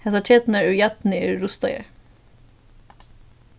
hasar keturnar úr jarni eru rustaðar